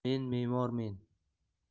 men memormen